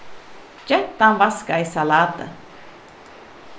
gentan vaskaði salatið